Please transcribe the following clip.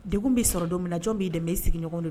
Degun b'i sɔrɔ don min jɔn b'i dɛmɛ? i sigiɲɔgɔnw don